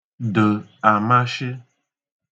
də̀ àmashị